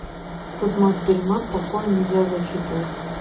пиздец тупой блядь